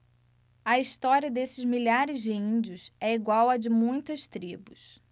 a história desses milhares de índios é igual à de muitas tribos